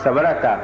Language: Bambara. sabara ta